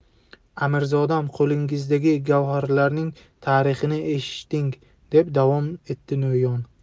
amirzodam qo'lingizdagi gavharlarning tarixini eshiting deb davom etdi no'yon